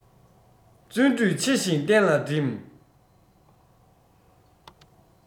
བརྩོན འགྲུས ཆེ ཞིང བརྟན ལ གྲིམས